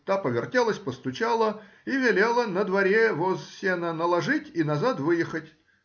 та повертелась, постучала и велела на дворе воз сена наложить и назад выехать